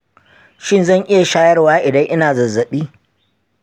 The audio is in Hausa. shin zan iya shayarwa idan ina zazzabi?